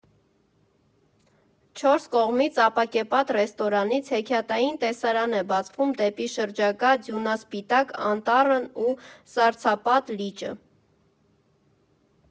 Չորս կողմից ապակեպատ ռեստորանից հեքիաթային տեսարան է բացվում դեպի շրջակա ձյունասպիտակ անտառն ու սառցապատ լիճը։